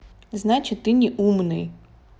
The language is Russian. значит ты не умный